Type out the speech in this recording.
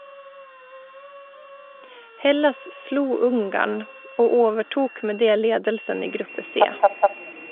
Hellas slo Ungarn, og overtok med det ledelsen i gruppe C.